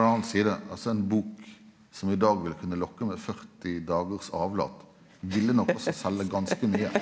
på ein anna side altså ein bok som i dag vil kunne lokke med 40 dagars avlat ville nok oss selje ganske mykje.